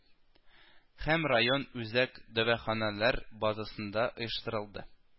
Һәм район үзәк дәваханәләр базасында оештырылды